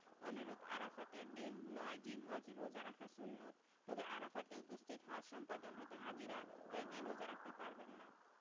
অনুরূপ আরাফাতের দিন ৯ জিলহজ রোজা রাখা সুন্নাত তবে আরাফাতে উপস্থিত হজ সম্পাদনরত হাজিরা এই দিন রোজা রাখতে পারবেন না